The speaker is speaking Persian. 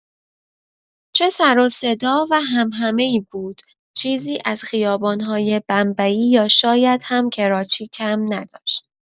چه سر و صدا و همهمه‌ای بود، چیزی از خیابان‌های بمبئی یا شاید هم کراچی کم نداشت.